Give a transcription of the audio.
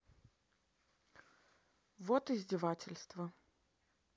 вот издевательства